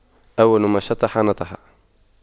أول ما شطح نطح